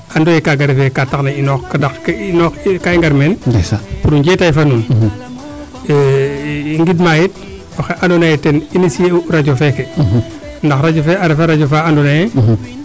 anduyo yee kaaga refe kaa taxna i inoox ndax kaa i ngar meen pour njetaay fo nuun ngind maa yit oxe ando naye ten initier u radio feeke ndax radio fee a refa radio faa ando naye